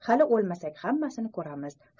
hali o'lmasak hammasini ko'ramiz